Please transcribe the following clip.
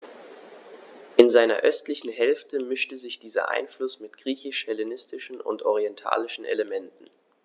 In seiner östlichen Hälfte mischte sich dieser Einfluss mit griechisch-hellenistischen und orientalischen Elementen.